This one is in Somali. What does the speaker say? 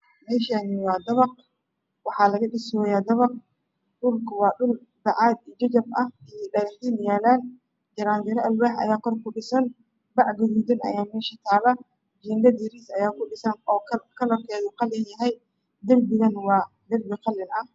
Meshani waa dabaq waxaa laga dhisayaa dabaq dhulku waa dhul bacad iyo jajab ah iyo dhagaxiin yala jaranjaro alwax ah ayaa kor kudhisan bac gaduudan ayaa mesha tala jingad yariisa ayaa ku dhisan oo kalarkeedu qalin ayhay derbigana waa derbi qalin ah